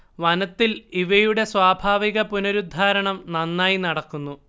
വനത്തിൽ ഇവയുടെ സ്വാഭാവിക പുനരുദ്ധാരണം നന്നായി നടക്കുന്നു